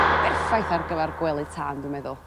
berffaith ar gyfar gwely tân dwi'n meddwl.